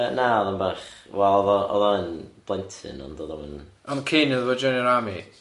Yy na o'dd o'n bach wel o'dd o o'dd yn blentyn ond o'dd o'm yn... Ond cyn iddo fo joinio'r army?